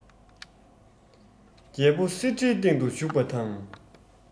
རྒྱལ པོ གསེར ཁྲིའི སྟེང དུ བཞུགས པ དང